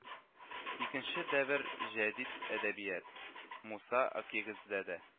Икенче дәвер җәдит әдәбият: Муса Акъегетзадә